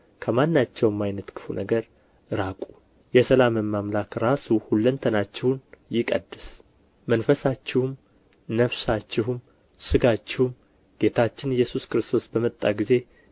ከማናቸውም ዓይነት ክፉ ነገር ራቁ የሰላምም አምላክ ራሱ ሁለንተናችሁን ይቀድስ መንፈሳችሁም ነፍሳችሁም ሥጋችሁም ጌታችን ኢየሱስ ክርስቶስ በመጣ ጊዜ